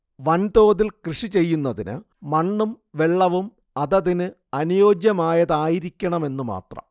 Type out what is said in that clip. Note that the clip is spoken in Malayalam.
വൻതോതിൽ കൃഷിചെയ്യുന്നതിന് മണ്ണും വെള്ളവും അതതിന് അനുയോജ്യമായതായിരിക്കണമെന്നു മാത്രം